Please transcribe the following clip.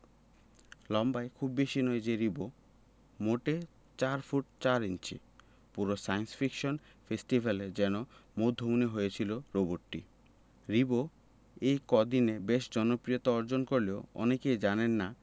লম্বায় খুব বেশি নয় যে রিবো মোটে ৪ ফুট ৪ ইঞ্চি পুরো সায়েন্স ফিকশন ফেস্টিভ্যালে যেন মধ্যমণি হয়েছিল রোবটটি রিবো এই কয়দিনে বেশ জনপ্রিয়তা অর্জন করলেও অনেকেই জানেন না